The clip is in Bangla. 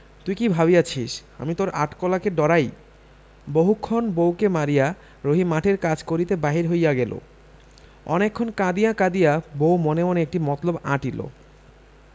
তুই কি ভাবিয়াছি আমি তোর আট কলাকে ডরাই বহুক্ষণ বউকে মারিয়া রহিম মাঠের কাজ করিতে বাহির হইয়া গেল অনেকক্ষণ কাঁদিয়া কাঁদিয়া বউ মনে মনে একটি মতলব আঁটিল